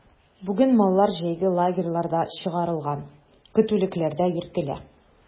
Бүген маллар җәйге лагерьларга чыгарылган, көтүлекләрдә йөртелә.